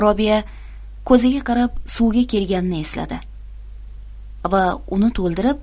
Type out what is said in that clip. robiya ko'zaga qarab suvga kelganini esladi va uni to'ldirib